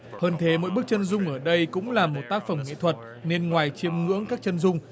hơn thế mỗi bức chân dung ở đây cũng là một tác phẩm nghệ thuật nên ngoài chiêm ngưỡng các chân dung